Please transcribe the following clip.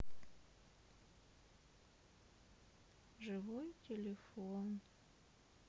живой телефон